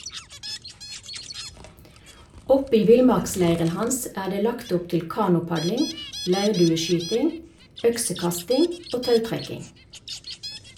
Oppe i villmarksleiren hans er det lagt opp til kanopadling, leirdueskyting, øksekasting og tautrekking.